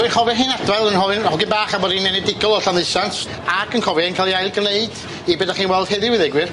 Dwi'n chofio hi'n adfail, yn hofyn hogyn bach am bod fin enedigol o Llanddeusant, ac yn cofio hi'n ca'l i ailgneud i be' dach chi'n weld heddiw i ddeud gwir.